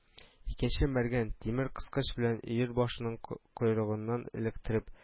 Икенче мәргән тимер кыскыч кыскыч белән Өер башының койрыгыннан эләктереп